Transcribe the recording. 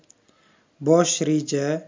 bosh reja